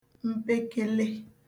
mpekele